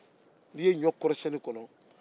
n'i ye ɲɔ kɔrɔsiyɛni kɔnɔ